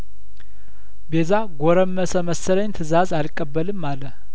ቤዛ ጐረመሰ መሰለኝ ትእዛዝ አልቀበልም አለ